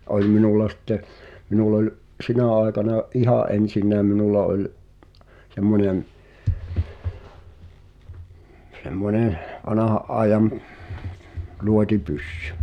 oli minulla sitten minulla oli sinä aikana ihan ensinnäkin minulla oli semmoinen semmoinen vanhan ajan luotipyssy